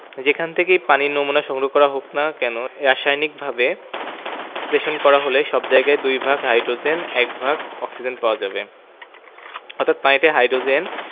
যেখান থেকেই পানির নমুনা সংগ্রহ করা হোক না কেন রাসায়নিকভাবে বিশ্লেষণ করা হলে সব সময় দুই ভাগ হাইড্রোজেন এবং এক ভাগ অক্সিজেন পাওয়া যাবে অর্থাৎ পানিতে হাইড্রোজেন